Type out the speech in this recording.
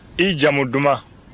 i jamu duman